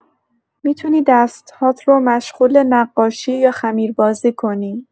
می‌تونی دست‌هات رو مشغول نقاشی یا خمیر بازی کنی.